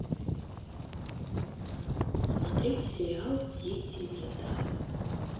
смотреть сериал дети ветра